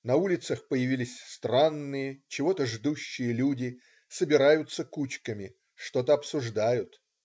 На улицах появились странные, чего-то ждущие люди, собираются кучками, что-то обсуждают.